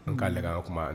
An k'a laana kuma